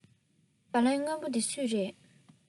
སྦ ལན སྔོན པོ འདི སུའི རེད